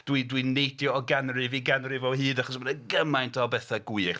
Dwi dwi'n neidio o ganrif i ganrif o hyd, achos ma' 'na gymaint o betha gwych.